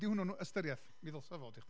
Ydy hwnnw'n ystyriaeth? Mi ddylsai fod i chdi!